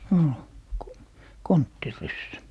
oli konttiryssä